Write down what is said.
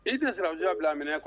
I tɛ sira bila a minɛ kɔnɔ.